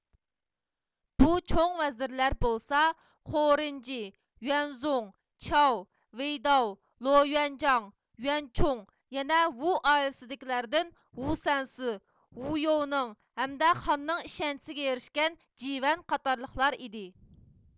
بۇ چوڭ ۋەزىرلەر بولسا خورېنجى يۇەنزۇڭ چياۋ ۋېيداۋ لو يۇەنجاڭ يۇەنچۇڭ يەنە ۋۇ ئائىلىسىدىكىلەردىن ۋۇ سەنسى ۋۇ يوۋنىڭ ھەمدە خاننىڭ ئىشەنچىسىگە ئېرىشكەن جى ۋەن قاتارلىقلار ئىدى